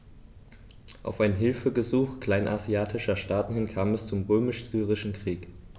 Auf ein Hilfegesuch kleinasiatischer Staaten hin kam es zum Römisch-Syrischen Krieg.